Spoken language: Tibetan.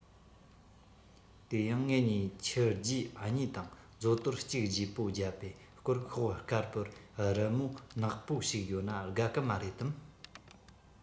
དེ ཡང ངེད གཉིས ཁྱི རྒྱའུ གཉིས དང མཛོ དོར གཅིག བརྗེ པོ བརྒྱབ པའི སྐོར ཤོག བུ དཀར པོར རི མོ ནག པོ ཞིག ཡོད ན དགའ གི མ རེད དམ